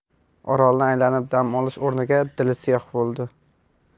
orolni aylanib dam olish o'rniga dili siyoh bo'ldi